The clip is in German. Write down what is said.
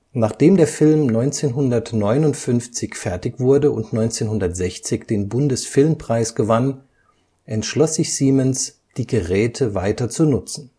Nachdem der Film 1959 fertig wurde und 1960 den Bundesfilmpreis gewann, entschloss sich Siemens die Geräte weiter zu nutzen